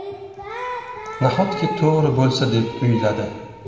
nahotki to'g'ri bo'lsa deb o'yladi